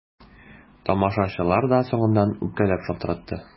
Тамашачылар да соңыннан үпкәләп шалтыратты.